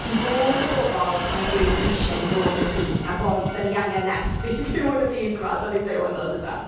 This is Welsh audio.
I fod y bobl mae Duw isie ni fod yn y byd. A boi, dan ni angen nerth i fyw yn y byd yma, dan ni'n byw ynddo'n dydan.